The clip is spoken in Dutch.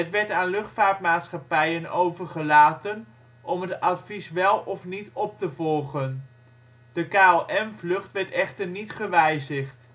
werd aan luchtvaartmaatschappijen overgelaten om het advies wel of niet op te volgen. De KLM-vlucht werd echter niet gewijzigd